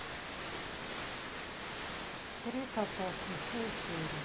три кота смешные серии